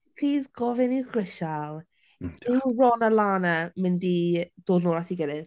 Plis gofyn i'r grisial yw Ron a Lana mynd i dod nôl at ei gilydd?